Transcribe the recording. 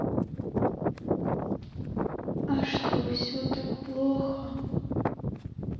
а что все так плохо